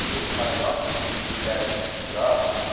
butun xonadon uylarini kichikroq